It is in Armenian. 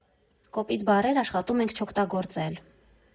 Կոպիտ բառեր աշխատում ենք չօգտագործել։